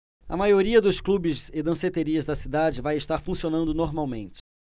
a maioria dos clubes e danceterias da cidade vai estar funcionando normalmente